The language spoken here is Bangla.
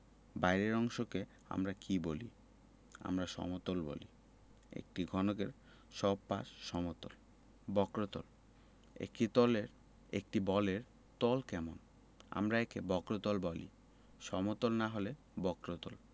বাইরের অংশকে আমরা কী বলি আমরা সমতল বলি একটি ঘনকের সব পাশ সমতল বক্রতলঃ একটি বলের তল কেমন আমরা একে বক্রতল বলি সমতল না হলে বক্রতল